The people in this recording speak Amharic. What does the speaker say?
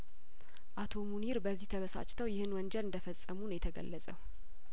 አቶ ሙኒር በዚህ ተበሳጭተው ይህንን ወንጀል እንደፈጸሙ ነው የተገለጸው